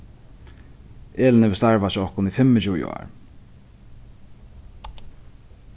elin hevur starvast hjá okkum í fimmogtjúgu ár